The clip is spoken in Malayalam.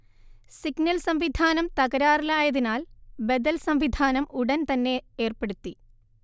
സിഗ്നൽ സംവിധാനം തകരാറിലായതിനാൽ ബദൽ സംവിധാനം ഉടൻ തന്നെ ഏർപ്പെടുത്തി